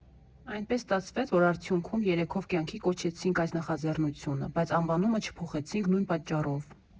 ֊ Այնպես ստացվեց, որ արդյունքում երեքով կյանքի կոչեցինք այս նախաձեռնությունը, բայց անվանումը չփոխեցինք նույն պատճառով»։